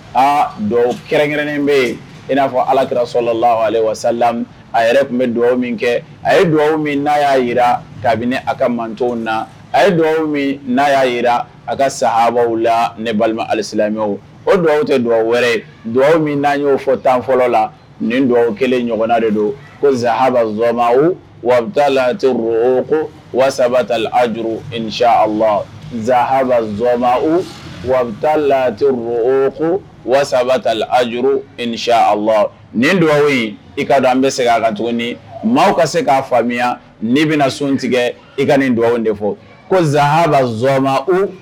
Aa do kɛrɛnkɛrɛnnen bɛ yen i n'a fɔ alakirasola la alesa a yɛrɛ tun bɛ dugawwa min kɛ a ye duwa min n'a y'a jira kabini a ka man na a ye dugawwa min n'a y'a jira a ka sa a la ne balima alisala o dugawuwa tɛ dugawuwa wɛrɛ duwa min n'an y'o fɔ tan fɔlɔ la nin dugawwa kelen ɲɔgɔnna de don ko zhaoma o lahɔ waasa taaj nhabuoma lahɔ waasa taa aj ni la nin dugawwawo in i ka don an bɛ segin a ka tuguni maaw ka se k'a faamuya n bɛna sun tigɛ i ka nin dugawwa de fɔ ko nhaoma o